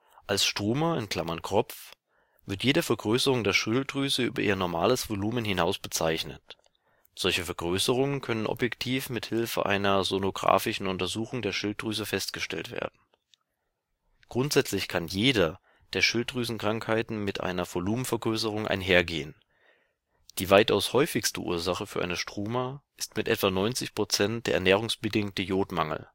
Als Struma (Kropf) wird jede Vergrößerung der Schilddrüse über ihr normales Volumen hinaus bezeichnet. Solche Vergrößerungen können objektiv mithilfe einer sonographischen Untersuchung der Schilddrüse festgestellt werden. Grundsätzlich kann jede der Schilddrüsenkrankheiten mit einer Volumenvergrößerung einhergehen. Die weitaus häufigste Ursache für eine Struma ist mit etwa 90 % der ernährungsbedingte Jodmangel